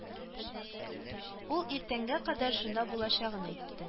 Ул иртәнгә кадәр шунда булачагын әйтте